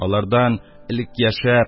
Алардан элек яшәп,